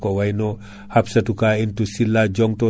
ko wayno Hapsatou Ka en to Sylla Diongto